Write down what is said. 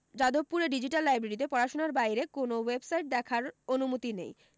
যাদবপুরের digital লাইব্রেরিতে পড়াশোনার বাইরে কোনও ওয়েবসাইট দেখার অনুমতি নেই